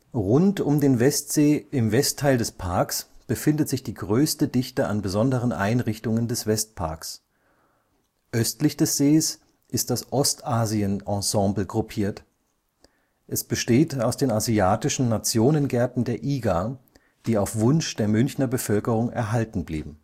Rund um den Westsee im Westteil des Parks befindet sich die größte Dichte an besonderen Einrichtungen des Westparks. Östlich des Sees ist das Ostasien-Ensemble gruppiert. Es besteht aus den asiatischen Nationengärten der IGA, die auf Wunsch der Münchner Bevölkerung erhalten blieben